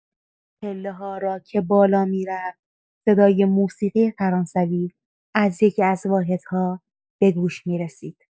پله‌ها را که بالا می‌رفت، صدای موسیقی فرانسوی از یکی‌از واحدها به گوش می‌رسید.